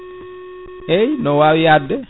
eyyi no wawi yadude